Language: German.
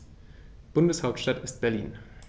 Bundeshauptstadt ist Berlin.